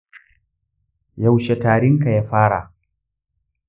yaushe tarinka ya fara?